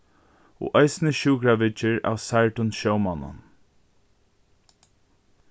og eisini sjúkraviðgerð av særdum sjómonnum